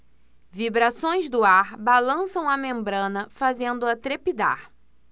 vibrações do ar balançam a membrana fazendo-a trepidar